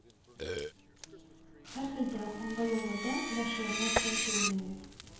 Һәрхәлдә, аңа яңадан башларга соң түгел әле